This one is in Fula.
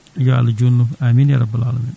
yo Allah junnu amine ya rabal alamina